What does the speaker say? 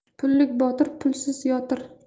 pullik botir pulsiz yotir